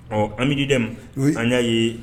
Ɔ Amikidɛni , oui an y'a ye